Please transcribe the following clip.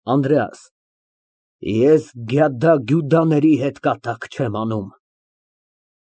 ԱՆԴՐԵԱՍ ֊ Ես գյադա ֊ գյուդաների հետ կատակ չեմ անում։